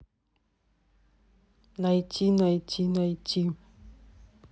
найти найти найти